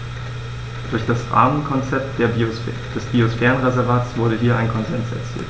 Durch das Rahmenkonzept des Biosphärenreservates wurde hier ein Konsens erzielt.